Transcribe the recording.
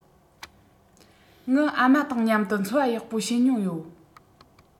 ངའི ཨ མ དང མཉམ དུ འཚོ བ ཡག པོ བྱེད མྱོང ཡོད